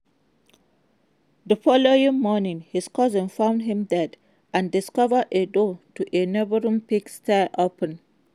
The following morning, his cousin found him dead, and discovered a door to a neighboring pig sty open.